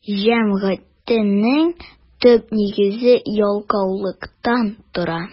Җәмгыятьнең төп нигезе ялкаулыктан тора.